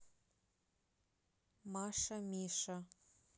маша миша